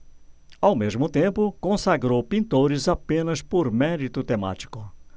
ao mesmo tempo consagrou pintores apenas por mérito temático